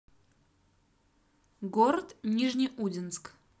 город нижнеудинск